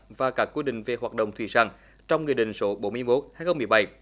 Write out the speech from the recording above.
và các quy định về hoạt động thủy sản trong nghị định số bốn mươi mốt hai không mười bảy